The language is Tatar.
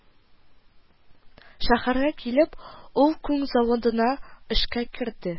Шәһәргә килеп, ул күн заводына эшкә керде